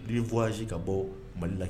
P fɔsi ka bɔ mali la